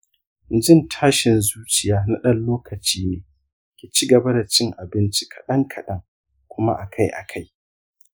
jin tashin zuciya na ɗan lokaci ne; ki cigaba da cin abinci kaɗan kaɗan kuma akai-akai.